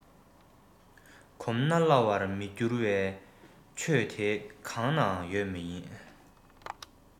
གོམས ན སླ བར མི འགྱུར བའི ཆོས དེ གང ནའང ཡོད མ ཡིན